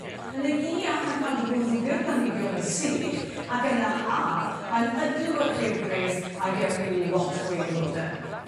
yn y Gïa ma'n cadw gwddg yr planhigion yn sych ac yn y Haf mae'n ydlewyrchu'r gwres a gewch chi lot fwy o flode.